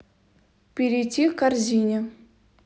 перейти к корзине